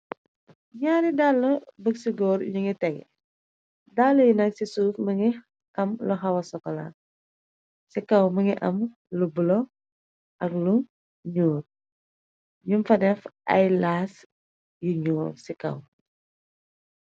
Nyaari dalla buk ci góor yu ngi tege dall yi nag ci suuf mingi am lu xawa sokola ci kaw mingi am lu bulo ak lu ñuur yum faneef ay laas yi ñyuul ci kaw.